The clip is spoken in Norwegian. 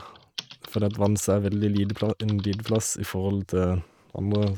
Fordi at Vanse er veldig lite pla en liten plass i forhold til andre.